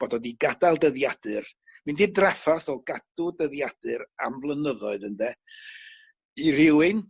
bod o 'di gadal dyddiadur mynd i draffarth o gadw dyddiadur am flynyddoedd ynde i rywun